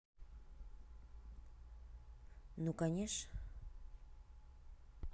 ну канеш